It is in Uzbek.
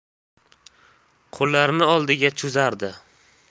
qo'llarini oldinga cho'zardi